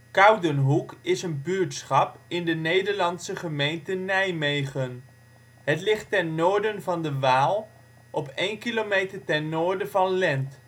Koudenhoek is een buurtschap in de Nederlandse gemeente Nijmegen. Het ligt ten noorden van de Waal, 1 kilometer ten noorden van Lent